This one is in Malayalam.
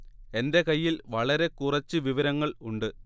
എന്റെ കയ്യിൽ വളരെ കുറച്ച് വിവരങ്ങൾ ഉണ്ട്